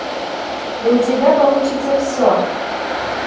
и у тебя получится все